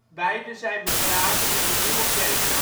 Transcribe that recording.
beiden zijn begraven in de Nieuwe Kerk in